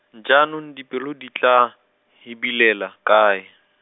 jaanong dipelo di tla, hibilela, kae?